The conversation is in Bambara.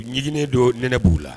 Ɲɛjini don n b'u la